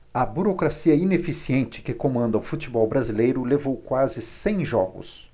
a burocracia ineficiente que comanda o futebol brasileiro levou quase cem jogos